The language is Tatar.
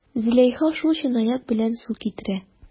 Зөләйха шул чынаяк белән су китерә.